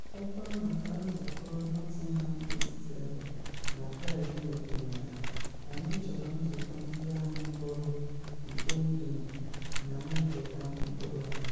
Ọkwa maka nzụkọ Nottingham East Labour na Fraịde kwuru na “anyị chọrọ nzụkọ ndị ahụ bụrụ nke dum ma mịpụta mkpụrụ.”